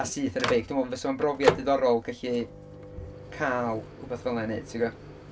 A syth ar y beic. Dwi'n meddwl fysa fo'n brofiad diddorol gallu cael rywbath fel'na i wneud, timod?